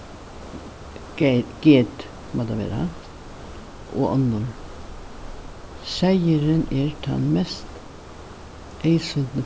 má tað vera ha og onnur seyðurin er tann mest